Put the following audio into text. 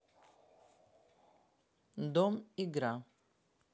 дом игра